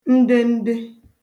ndende